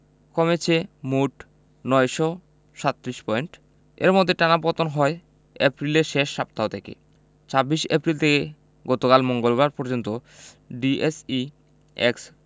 কমেছে মোট ৯৩৭ পয়েন্ট এর মধ্যে টানা পতন হয় এপ্রিলের শেষ সাপ্তাহ থেকে ২৬ এপ্রিল থেকে গতকাল মঙ্গলবার পর্যন্ত ডিএসইএক্স